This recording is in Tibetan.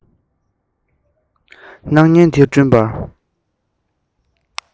སྣང བརྙན འདི བསྐྲུན པར